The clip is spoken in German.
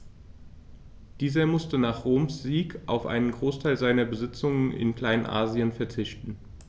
Dieser musste nach Roms Sieg auf einen Großteil seiner Besitzungen in Kleinasien verzichten.